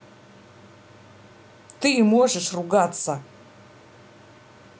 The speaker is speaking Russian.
ты можешь ругаться